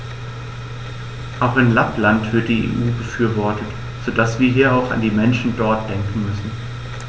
Auch in Lappland wird die EU befürwortet, so dass wir hier auch an die Menschen dort denken müssen.